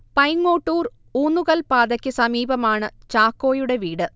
പൈങ്ങോട്ടൂർ - ഊന്നുകൽ പാതയ്ക്ക് സമീപമാണ് ചാക്കോയുടെ വീട്